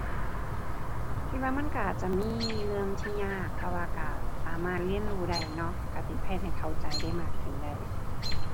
คิดว่ามันก็อาจจะมีเรื่องที่ยากแต่ว่าก็สามารถเรียนรู้ได้เนาะ ก็สิเฮ็ดให้เข้าใจได้มากขึ้นได้